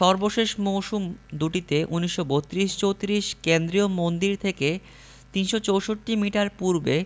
সর্বশেষ মৌসুম দুটিতে ১৯৩২ ৩৪ কেন্দ্রীয় মন্দির থেকে ৩৬৪ মিটার পূর্বে